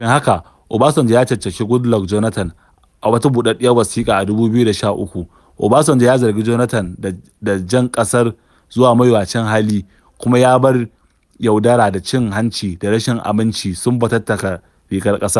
Kafin haka, Obasanjo ya caccaki Goodluck Jonathan a wata buɗaɗɗiyar wasiƙa a 2013, Obasanjo ya zargi Jonathan da jan ƙasar zuwa mawuyacin hali kuma ya bar yaudara da cin hanci da rashin aminci sun fatattaka rigar ƙasar.